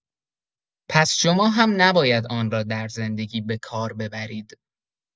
پس شما هم نباید آن را در زندگی به کار ببرید.